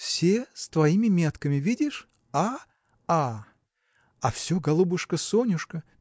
– Все с твоими метками, видишь – А. А. А все голубушка Сонюшка!